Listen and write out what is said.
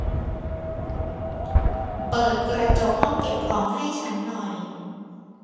เปิดกระจกห้องเก็บของให้ฉันหน่อย